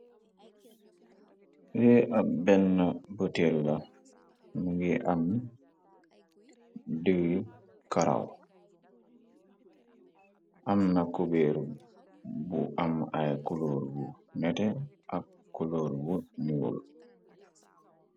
lee ak benn botel la ngi am diyu karaw am na kubeer bu am ay kulóor bu nete ak kuloor bu nuul